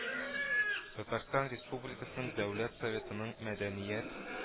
Татарстан Республикасын Дәүләт Советының Мәдәният